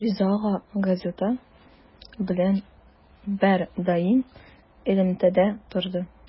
Риза ага газета белән һәрдаим элемтәдә торды.